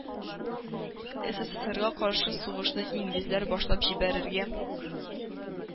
Эсэсэсэрга каршы сугышны инглизләр башлап җибәрергә